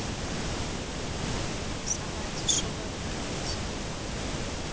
самая дешевая механизм